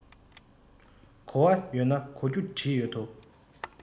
གོ བ ཡོད ན གོ རྒྱུ བྲིས ཡོད དོ